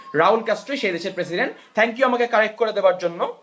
Raul Castro সে দেশের president thank you আমাকে কারেক্ট করে দেয়ার জন্য